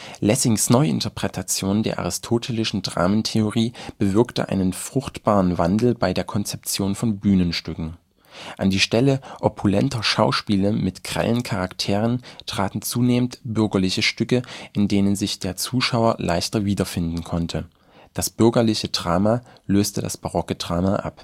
Lessings Neuinterpretation der aristotelischen Dramentheorie bewirkte einen fruchtbaren Wandel bei der Konzeption von Bühnenstücken. An die Stelle opulenter Schauspiele mit grellen Charakteren traten zunehmend bürgerliche Stücke, in denen sich der Zuschauer leichter wiederfinden konnte; das bürgerliche Drama löste das barocke Drama